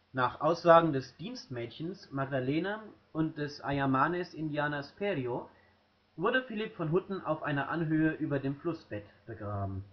Nach Aussagen des Dienstmädchens Magdalena und des Ayamanes-Indianers Perio wurde Philipp von Hutten auf einer Anhöhe über dem Flussbett begraben